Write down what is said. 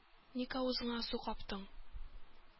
Ник авызыңа су каптың?